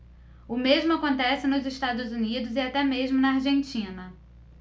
o mesmo acontece nos estados unidos e até mesmo na argentina